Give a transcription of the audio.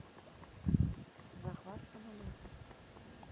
захват самолета